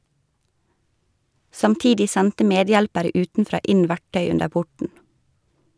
Samtidig sendte medhjelpere utenfra inn verktøy under porten.